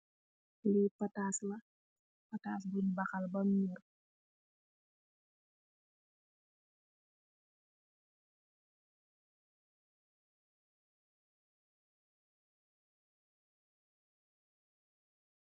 Pataat bunj bahal defko ce boul.